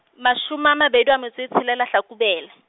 mashome a mabedi a metso e tshelela Hlakubele.